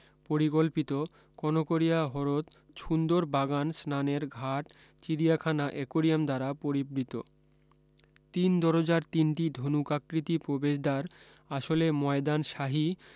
পরিকল্পিত কনকরিয়া হরদ সুন্দর বাগান স্নানের ঘাট চিড়িয়াখানা একোরিয়াম দ্বারা পরিবৃত তিন দরোজার তিনটি ধনুকাকৃতি প্রবেশদ্বার আসলে ময়দান সাহী